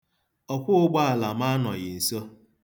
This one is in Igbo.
Ọkwọụgbaala m anọghị nso.